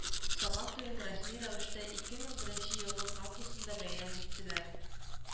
— сабан туен рәсми рәвештә ике мең беренче елның августында бәйрәм иттеләр